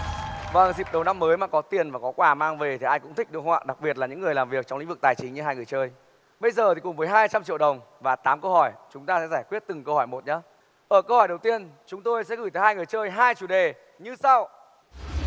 vào dịp đầu năm mới mà có tiền và có quà mang về thì ai cũng thích đúng không ạ đặc biệt là những người làm việc trong lĩnh vực tài chính như hai người chơi bây giờ thì cùng với hai trăm triệu đồng và tám câu hỏi chúng ta sẽ giải quyết từng câu hỏi một nhá ở câu hỏi đầu tiên chúng tôi sẽ gửi tới hai người chơi hai chủ đề như sau